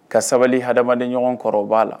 Ka sabal'i hadamadenɲɔgɔn kɔrɔ o b'a la